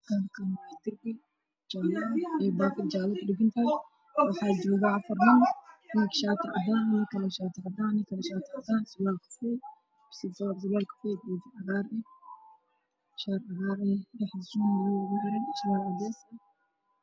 Halkaan waa darbi baakad jaale ah ku dhagan tahay waxaa joogo afar nin nin shaati cadaan ah, shaar cadaan ah iyo surwaal kafay, koofi cagaar, shaar cagaar, shaar cadeys.